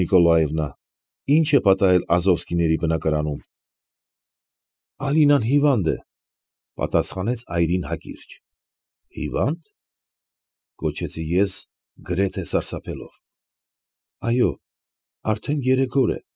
Նիկոլոևնա, ի՞նչ է պատահել Ազովսկիների բնակարանում։ ֊ Ալինան հիվանդ է, ֊ պատասխանեց այրին հակիրճ։ ֊ Հիվա՞նդ, ֊ գոչեցի ես գրեթե սարսափելով։ ֊ Այո, արդեն երեք օր է։